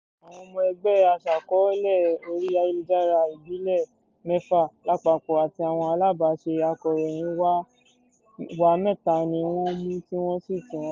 Àwọn ọmọ ẹgbẹ́ aṣàkoọ́lẹ̀ orí ayélujára ìbílẹ̀ mẹ́fà lápapọ̀ àti àwọn alábàáṣe akọ̀ròyìn wa mẹ́ta ni wọ́n mú tí wọ́n sì tì wọ́n mọ́lé.